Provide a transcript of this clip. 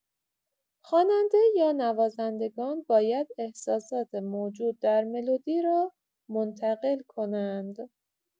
خواننده یا نوازندگان باید احساسات موجود در ملودی را منتقل کنند.